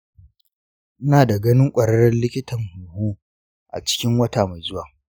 ina da ganin ƙwarraren likitan huhu a cikin wata mai zuwa.